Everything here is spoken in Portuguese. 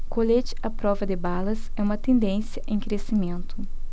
colete à prova de balas é uma tendência em crescimento